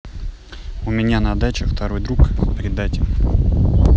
у меня на даче второй друг предатель